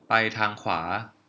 ไปทางขวา